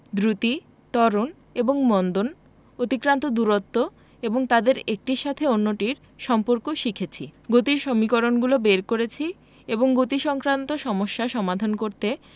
দ্রুতি ত্বরণ এবং মন্দন অতিক্রান্ত দূরত্ব এবং তাদের একটির সাথে অন্যটির সম্পর্ক শিখেছি গতির সমীকরণগুলো বের করেছি এবং গতিসংক্রান্ত সমস্যা সমাধান করতে